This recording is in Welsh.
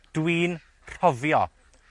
Dwi'n rhofio.